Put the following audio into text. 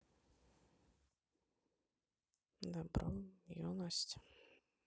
добро юность